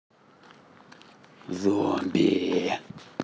зомби